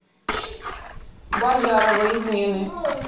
боярова измены